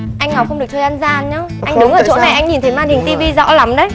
anh ngọc không được chơi ăn gian nhớ anh đứng ở chỗ này anh nhìn thấy màn hình ti vi rõ lắm đấy